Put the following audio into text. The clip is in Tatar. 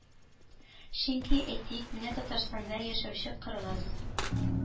Чөнки, әйтик, менә Татарстанда яшәүче кыргыз,